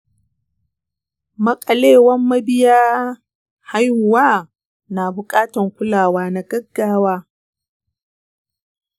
maƙalewan mabiyyan haihuwa na buƙatan kulawa na gaggawa